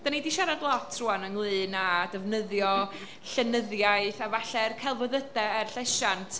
Dan ni 'di siarad lot rŵan ynglyn â defnyddio llenyddiaeth a falle'r celfyddydau er llesiant.